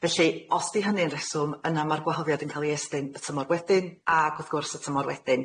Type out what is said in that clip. Felly os 'di hynny'n rheswm yna ma'r gwahoddiad yn ca'l i estyn y tymor wedyn ag wrth gwrs y tymor wedyn.